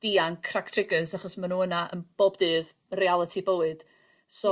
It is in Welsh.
dianc rhag triggers achos ma' nw yna yn bob dydd. Realiti bywyd. So